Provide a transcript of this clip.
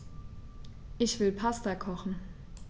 Ich will Pasta kochen.